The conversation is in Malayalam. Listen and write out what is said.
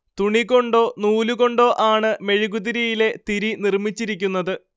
തുണി കൊണ്ടോ നൂലുകൊണ്ടോ ആണ് മെഴുകുതിരിയിലെ തിരി നിർമ്മിച്ചിരിക്കുന്നത്